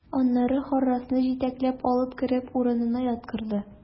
Аннары Харрасны җитәкләп алып кереп, урынына яткырды.